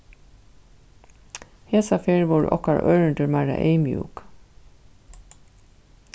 hesa ferð vóru okkara ørindir meira eyðmjúk